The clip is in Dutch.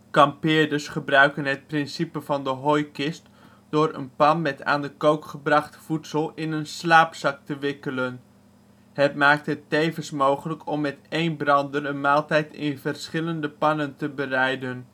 Kampeerders gebruiken het principe van de hooikist door een pan met aan de kook gebracht voedsel in een slaapzak te wikkelen. Het maakt het tevens mogelijk om met één brander een maaltijd in verschillende pannen te bereiden